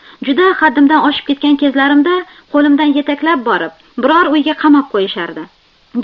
juda haddimdan oshib ketgan kezlarimda qo'limdan yetaklab borib biror uyga qamab qo'yishardi